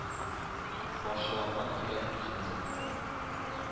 Парчаланган йөрәк түзмәде.